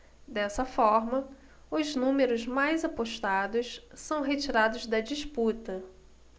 dessa forma os números mais apostados são retirados da disputa